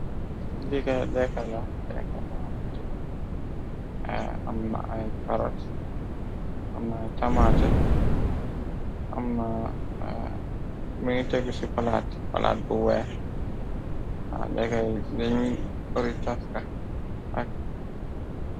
Jika lekkala lekkabamuntine, am na ay karas, amna ay tamante, amna mingi tëggu ci palaat, palaat bu weex, lekkay lañ paritafka ak.